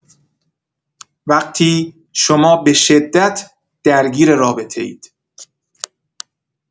وقتی شما به‌شدت درگیر رابطه‌اید.